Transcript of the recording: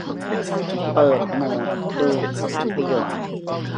เปิดโหมดดูภาพยนตร์